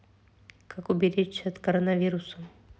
как уберечься от коронавируса